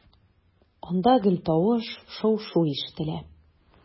Анда гел тавыш, шау-шу ишетелә.